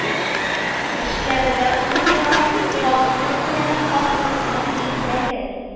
Эшләре дә онытыла, хаклык белән хаслыкның ирдәге